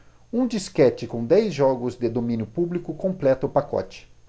um disquete com dez jogos de domínio público completa o pacote